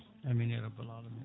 amine ya rabbal alamina